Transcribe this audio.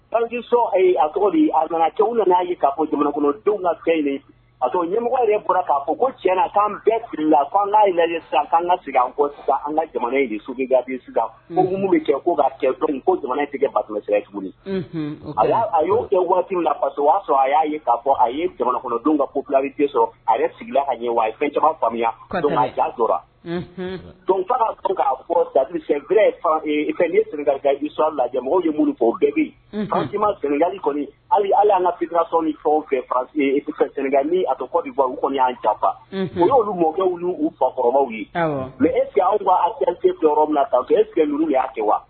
Bakarijanjisɔn ee a tɔgɔ di a nana cɛw nana n'a ye k kaa ko jamana kɔnɔdenw ka cɛ in a ɲɛmɔgɔ yɛrɛ bɔra k'a fɔ ko cɛɲɛna k'an bɛɛ fili la k' n'a lajɛ sisan k anan ka sigi an ko sisan an ka jamana in suginsi koumumu bɛ kɛ k ko ka kɛdon ko jamana tigɛ batosira tuguni a a y ye'o kɛ waati lato y'a sɔrɔ a y'a ye k'a fɔ a ye jamanadenw ka kuubibi sɔrɔ a ye sigila a ɲɛ wa ye fɛn caman faamuya don'a ja jɔra donfa k'a fɔsib fan sirikajifa lajɛmɔgɔ ye mun fɔ bɛɛbi kaji senkali kɔni hali' y'an ka kisɔ faw fɛ fa e senkali a cobi bɔ u kɔni'an jafa o yolu mɔ uu fakɔrɔbamaw ye mɛ es anw ka axte jɔyɔrɔ la ta kɛ duuruw y'a kɛ wa